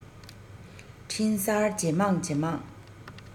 འཕྲིན གསར ཇེ མང ཇེ མང